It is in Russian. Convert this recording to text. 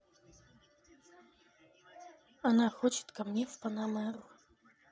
она хочет ко мне в панамеру